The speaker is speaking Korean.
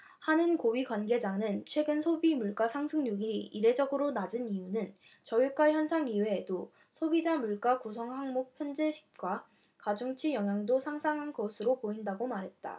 한은 고위 관계자는 최근 소비자물가상승률이 이례적으로 낮은 이유는 저유가 현상 이외에도 소비자물가 구성항목 편제방식과 가중치 영향도 상당한 것으로 보인다고 말했다